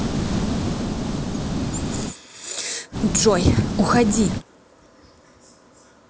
джой уходи